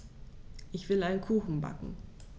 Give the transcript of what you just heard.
Ich will einen Kuchen backen.